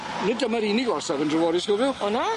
Nid dyma'r unig orsaf yn Dreforys gofiwch. O na?